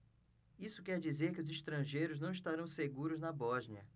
isso quer dizer que os estrangeiros não estarão seguros na bósnia